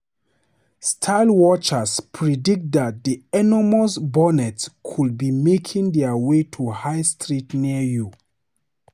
Style watchers predict that the enormous bonnets could be making their way to high streets near you.